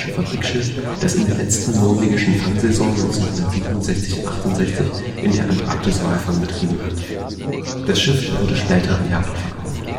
Fabrikschiff, das in der letzten norwegischen Fangsaison 1967 – 68 in der Antarktis Walfang betrieben hat. Das Schiff wurde später an Japan verkauft